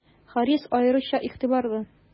Харис аеруча игътибарлы.